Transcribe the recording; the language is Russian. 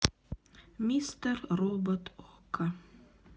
мистер робот окко